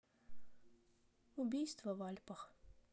убийство в альпах